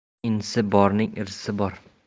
inisi borning irisi bor